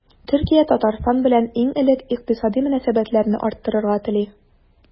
Төркия Татарстан белән иң элек икътисади мөнәсәбәтләрне арттырырга тели.